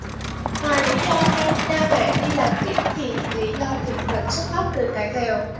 ngoài lý do theo cha mẹ đi làm biển thì lý do chính vẫn xuất phát từ cái nghèo